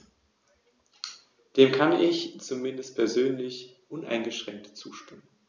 Lassen Sie mich das begründen.